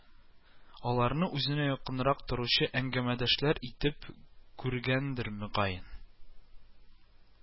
Аларны үзенә якынрак торучы әңгәмәдәшләр итеп күргәндер, мөгаен